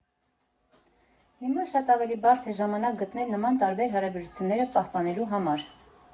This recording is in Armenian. Հիմա շատ ավելի բարդ է ժամանակ գտնել նման տարբեր հարաբերությունները պահպանելու համար։